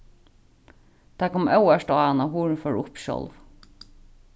tað kom óvart á hann at hurðin fór upp sjálv